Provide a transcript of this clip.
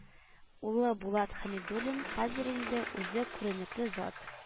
Улы Булат Хәмидуллин хәзер инде үзе күренекле зат